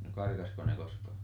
no karkasiko ne koskaan